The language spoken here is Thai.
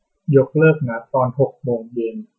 ยกเลิกนัดตอนหกโมงเย็น